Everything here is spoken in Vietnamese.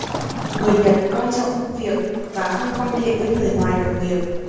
người nhật coi trọng công việc và không quan hệ với người ngoài đồng nghiệp